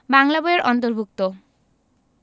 বাংলা বই এর অন্তর্ভুক্ত